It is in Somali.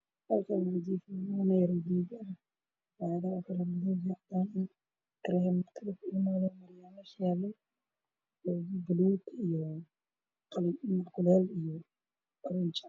Meeshaan waxaa iga muuqda kareen loo mariyo carruurta jirka